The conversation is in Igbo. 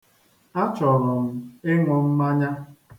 Achọrọ m ịṅụ mmanya.